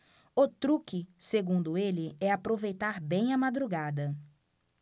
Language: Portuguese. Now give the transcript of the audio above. o truque segundo ele é aproveitar bem a madrugada